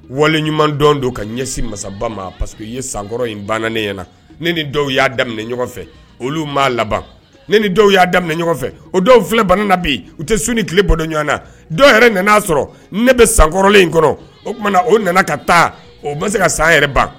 Wali ɲuman dɔ don ka ɲɛsin masaba ma parceseke que ye sankɔrɔ in bannanen ɲɛna na ne ni dɔw y'a daminɛ ɲɔgɔn fɛ olu ma laban ne ni dɔw y'a daminɛ ɲɔgɔn fɛ o dɔw filɛ bana bi u tɛ sun ni tile bɔdɔ ɲɔgɔn na dɔw yɛrɛ n aa sɔrɔ ne bɛ sankɔrɔlen in kɔrɔ o t tuma na o nana ka taa o bɛ se ka san yɛrɛ ban